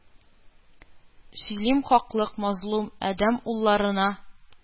Сөйлим хаклык мазлум адәм улларына!